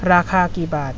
ราคากี่บาท